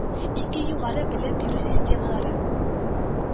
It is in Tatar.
Ике югары белем бирү системалары